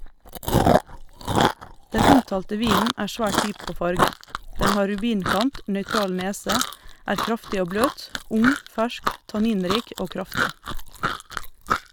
Den omtalte vinen er svært dyp på farge, den har rubinkant, nøytral nese, er kraftig og bløt, ung fersk, tanninrik og kraftig.